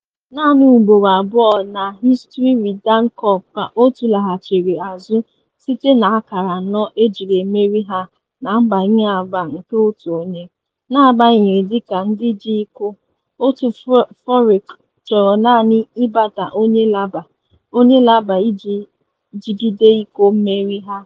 Naanị ugboro abụọ na hịstrị Ryder Cup ka otu laghachiri azụ site na akara anọ ejiri emeri ha na mbanye agba nke otu onye, n’agbanyeghị dịka ndị ji iko, otu Furyk chọrọ naanị ịgbata onye laba, onye laba iji jigide iko mmeri ha.